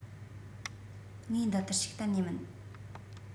ངའི འདི ལྟར ཞིག གཏན ནས མིན